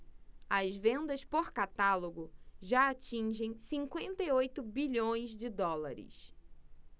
as vendas por catálogo já atingem cinquenta e oito bilhões de dólares